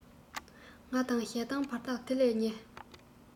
ང དང ཞེ སྡང བར ཐག དེ ལས ཉེ